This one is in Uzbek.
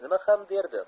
nima ham derdim